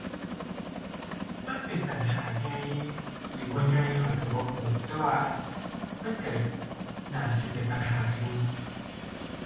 มันเป็นปัญหาใหญ่ หรือบ่ใหญ่ข้อยก็บ่ก็ แต่ว่ามันก็น่าสิเป็นปัญหาอยู่